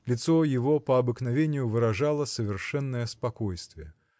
Лицо его, по обыкновению, выражало совершенное спокойствие.